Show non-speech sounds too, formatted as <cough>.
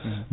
<hesitation> <hesitation>